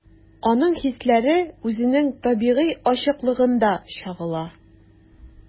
Аның хисләре үзенең табигый ачыклыгында чагыла.